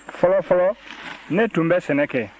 fɔlɔfɔlɔ ne tun bɛ sɛnɛ kɛ